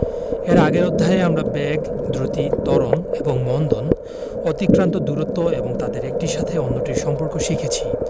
এর আগের অধ্যায়ে আমরা বেগ দ্রুতি ত্বরণ এবং মন্দন অতিক্রান্ত দূরত্ব এবং তাদের একটির সাথে অন্যটির সম্পর্ক শিখেছি